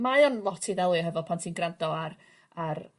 mae yn lot i ddelio hefo pan ti'n grando ar...